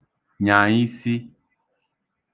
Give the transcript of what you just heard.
nyà isi